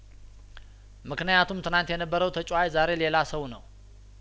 ምክንያቱም ትናንት የነበረው ተጫዋች ዛሬ ሌላ ሰው ነው